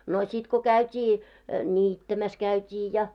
no sitten kun käytiin niittämässä käytiin ja